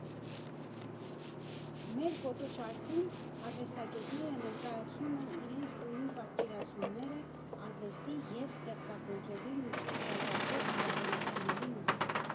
Մեր ֆոտոշարքում արվեստագետները ներկայացնում են իրենց ուրույն պատկերացումները արվեստի և ստեղծագործողի միջև զարգացող հարաբերությունների մասին։